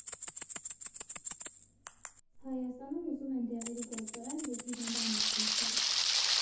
Հայաստանում ուզում են դեղերի գործարան և հիվանդանոց բացել։